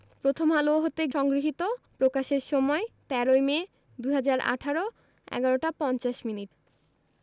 প্রথম আলো হতে সংগৃহীত প্রকাশের সময় ১৩ মে ২০১৮ ১১ টা ৫০ মিনিট